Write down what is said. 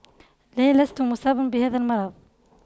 لا لست مصابا بهذا المرض